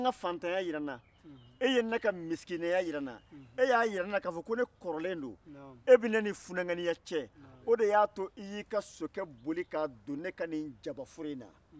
i ye n ka faatanya jira n na e ye misikinɛya jira n na e y'a jira k'i bɛ ne ni funankeya cɛ o de y'a to i y'i ka sokɛ boli ka don ne ka jabaworoin na